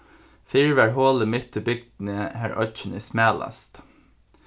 fyrr var holið mitt í bygdini har oyggin er smalast